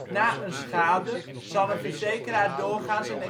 Na een schade zal een verzekeraar doorgaans een